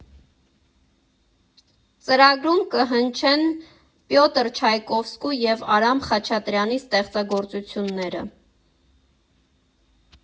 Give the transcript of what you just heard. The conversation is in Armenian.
Ծրագրում կհնչեն Պյոտր Չայկովսկու և Արամ Խաչատրյանի ստեղծագործությունները։